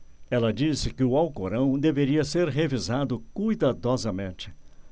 ela disse que o alcorão deveria ser revisado cuidadosamente